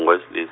ngingowesli-.